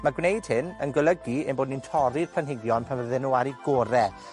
Ma gwneud hyn yn golygu ein bod ni'n torri'r planhigion pan fydden nw ar 'u gore.